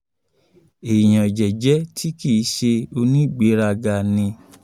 ”Èèyàn jẹ́jẹ́ tí kì í ṣe onígbèrágaa ni.”